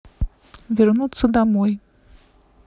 вернуться домой